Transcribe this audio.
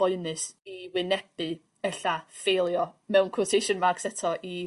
boenus i wynebu ella ffeiluo mewn quotation marks eto i...